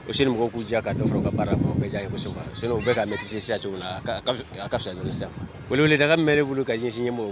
O sini mɔgɔw k'u jia ka dɔ sɔrɔ u ka baara kɔnɔ o bɛ diyan ye kosɛbɛ quoi sinon u bɛ ka maitriser sisan cogomin na a kaa a ka f a ka fisa dɔɔni sisan quoi weleweleda kan min bɛ ne bolo ka ɲɛsin ɲɛmɔgɔw ma